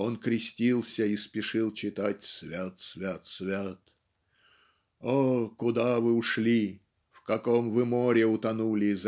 он крестился и спешил читать "Свят свят свят!" О куда вы ушли в каком вы море утонули